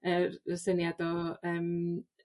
Yr y syniad o yym